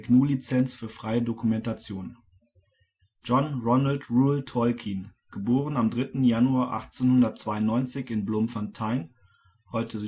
GNU Lizenz für freie Dokumentation. John Ronald Reuel Tolkien (* 3. Januar 1892 in Bloemfontein, heute